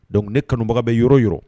Don ne kanubaga bɛ yɔrɔ yɔrɔ